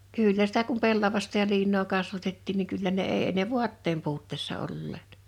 kyllä sitä kun pellavasta ja liinaa kasvatettiin niin kyllä ne ei ei ne vaatteen puutteessa olleet